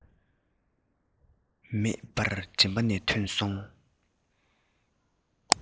མེད པར མགྲིན པ ནས ཐོན སོང